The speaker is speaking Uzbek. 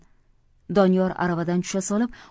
doniyor aravadan tusha solib